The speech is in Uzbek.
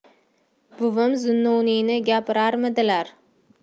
buvim zunnuniyni gapirarmidilar